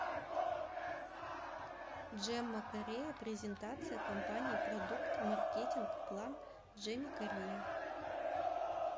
джемма корея презентация компании продукт маркетинг план джеми корея